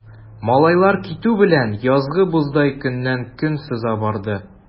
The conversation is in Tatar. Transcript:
Малайлар китү белән, язгы боздай көннән-көн сыза барды.